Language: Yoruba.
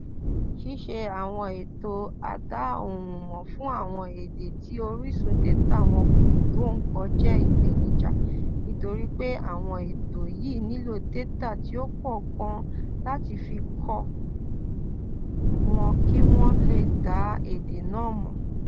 Ṣíṣe àwọn ètò a dá-ohùn-mọ̀ fún àwọn èdè tí orísun dátà wọn kò tó nǹkan jẹ́ ìpèníjà, nítorí pé àwọn ètò yìí nílò dátà tí ó pọ̀ gan-an láti fi "kọ́" wọn kí wọ́n le dá èdè náà mọ̀.